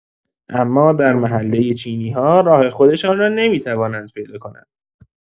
اما در محله چینی‌ها راه خودشان را نمی‌توانند پیدا کنند!